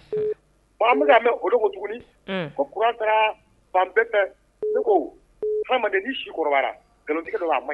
Mais an bɛ ka mɛn o don tuguni ko courant taara fan bɛ fɛ, un, ne ko adamaden ni si kɔrɔbayara, nkalon tigɛ dɔw bɛ yen a maɲi.